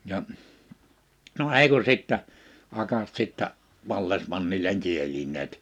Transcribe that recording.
ja no ei kun sitten akat sitten vallesmannille kielineet